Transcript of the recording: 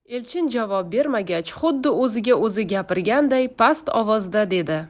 elchin javob bermagach xuddi o'ziga o'zi gapirganday past ovozda dedi